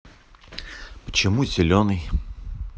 почему зеленый